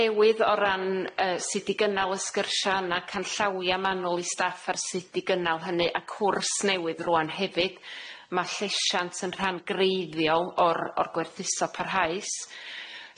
newydd o ran yy sud i gynnal y sgyrsia na canllawia manwl i staff ar sud i gynnal hynny a cwrs newydd rŵan hefyd ma' llesiant yn rhan greiddiol o'r o'r gwerthuso parhaus,